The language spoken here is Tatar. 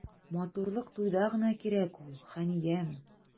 Матурлык туйда гына кирәк ул, ханиям.